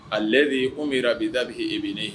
Ale le de ye ko' b'i da bi e bɛ ne ye